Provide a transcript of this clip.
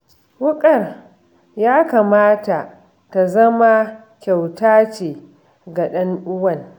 Wuƙar ya kamata ta zama kyauta ce ga ɗan'uwan.